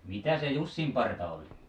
mitä se jussinparta oli